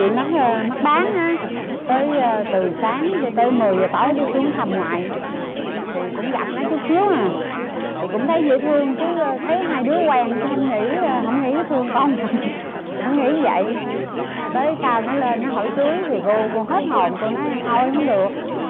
gì mắc mắc bán tới giờ từ sáng cho tới mười giờ tối mới xuống thăm ngoại thì cũng gặp nó chút xíu à thì cũng thấy dễ thương chứ thấy hai đứa quen chứ không nghĩ hông nghĩ nó thương con mình hông nghĩ dậy tới sau nó lên nó hỏi cưới thì cô cô hết hồn cô nói thôi hổng được